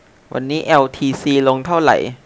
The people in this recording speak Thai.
วันนี้แอลทีซีลงเท่าไหร่